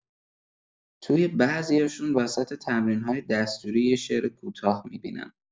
توی بعضیاشون، وسط تمرین‌های دستوری، یه شعر کوتاه می‌بینم.